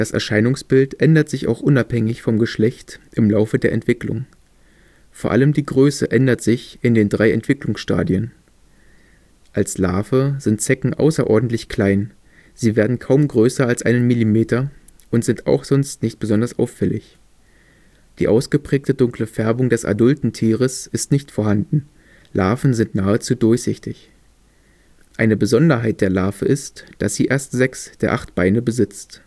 Erscheinungsbild ändert sich auch unabhängig vom Geschlecht im Laufe der Entwicklung. Vor allem die Größe ändert sich in den drei Entwicklungsstadien (siehe unten): Als Larve sind Zecken außerordentlich klein, sie werden kaum größer als einen Millimeter und sind auch sonst nicht besonders auffällig. Die ausgeprägte dunkle Färbung des adulten Tieres ist nicht vorhanden, Larven sind nahezu durchsichtig. Eine Besonderheit der Larve ist, dass sie erst sechs der acht Beine besitzt